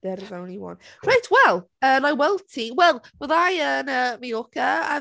There is only one. Reit, wel, yy, wna i weld ti, wel fydda i yn, yy, Mallorca a...